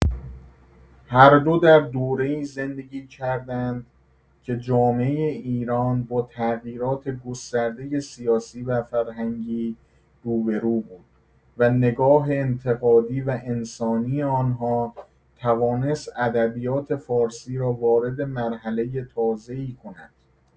هر دو در دوره‌ای زندگی کردند که جامعه ایران با تغییرات گسترده سیاسی و فرهنگی روبه‌رو بود و نگاه انتقادی و انسانی آنها توانست ادبیات فارسی را وارد مرحله تازه‌ای کند.